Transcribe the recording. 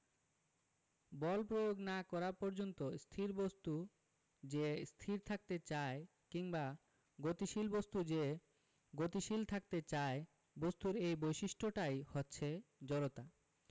বল প্রয়োগ না করা পর্যন্ত স্থির বস্তু যে স্থির থাকতে চায় কিংবা গতিশীল বস্তু যে গতিশীল থাকতে চায় বস্তুর এই বৈশিষ্ট্যটাই হচ্ছে জড়তা